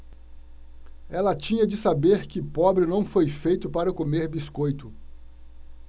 ela tinha de saber que pobre não foi feito para comer biscoito